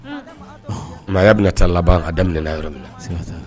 Mɛ' bɛna ta laban a daminɛmin yɔrɔ min